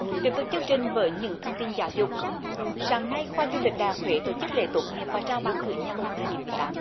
tiếp tục chương trình với những thông tin giáo dục sáng nay khoa du lịch đại học huế tổ chức lễ tốt nghiệp và trao bằng cử nhân năm hai nghìn mười tám